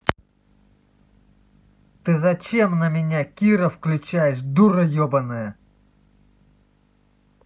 ты зачем на меня кира включаешь дура ебаная